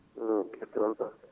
*